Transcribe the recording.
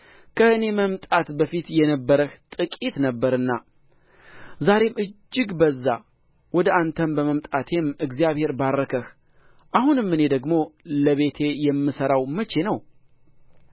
ከእኔ መምጣት በፊት የነበረህ ጥቂት ነበርና ዛሬም እጅግ በዛ ወደ አንተ በመምጣቴም እግዚአብሔር ባረክህ አሁንም እኔ ደግሞ ለቤቴ የምሠራው መቼ ነው